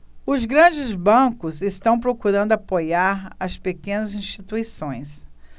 os grandes bancos estão procurando apoiar as pequenas instituições